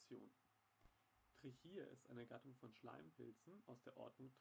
Trichia ist eine Gattung von Schleimpilzen aus der Ordnung